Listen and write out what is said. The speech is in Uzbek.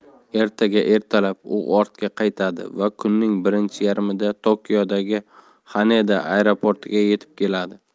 ertaga ertalab u ortga qaytadi va kunning birinchi yarmida tokiodagi xaneda aerportiga yetib keladi